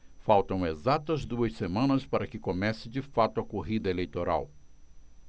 faltam exatas duas semanas para que comece de fato a corrida eleitoral